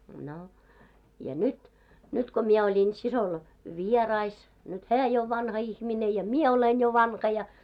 no ja nyt nyt kun minä olin siskolla vieraissa nyt hän jo on vanha ihminen ja minä olen jo vanha ja